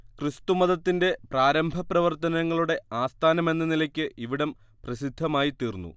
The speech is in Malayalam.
ക്രിസ്തുമതത്തിന്റെ പ്രാരംഭപ്രവർത്തനങ്ങളുടെ ആസ്ഥാനമെന്ന നിലയ്ക്ക് ഇവിടം പ്രസിദ്ധമായിത്തീർന്നു